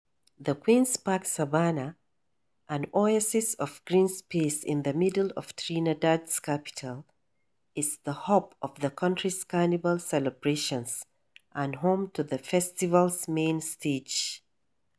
The Queen's Park Savannah, an oasis of green space in the middle of Trinidad's capital, is the hub of the country's Carnival celebrations and home to the festival's main stage.